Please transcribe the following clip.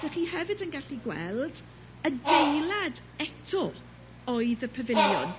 Dach chi hefyd yn gallu gweld adeilad eto oedd y pafiliwn.